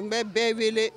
N bɛ bɛɛ wele